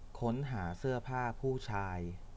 ค้นหาเสื้อผ้าผู้ชาย